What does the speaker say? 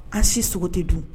An si sogo tɛ dun